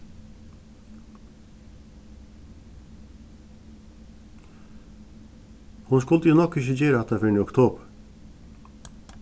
hon skuldi nokk ikki gera hatta fyrr enn í oktobur